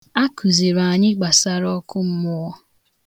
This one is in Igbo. A kuziri anyị gbasara ọkụmmụọ.